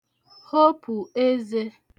hopụ̀ ezē